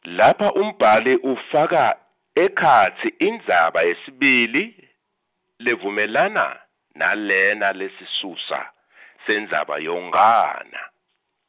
lapha umbhali ufaka ekhatsi indzaha yesibili , levumelana nalena lesisusa sendzaba yonkhana.